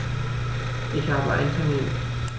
Ich habe einen Termin.